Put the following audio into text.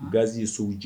Gaz ye sugu jan